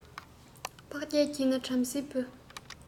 འཕགས རྒྱལ གྱི ནི བྲམ ཟེའི བུ